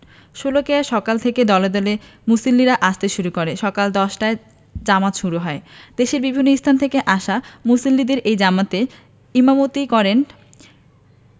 শোলাকিয়ায় সকাল থেকে দলে দলে মুসল্লিরা আসতে শুরু করেন সকাল ১০টায় জামাত শুরু হয় দেশের বিভিন্ন স্থান থেকে আসা মুসল্লিদের এই জামাতে ইমামতি করেন